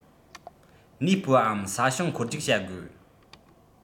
གནས སྤོའམ ས ཞིང འཁོར རྒྱུག བྱ དགོས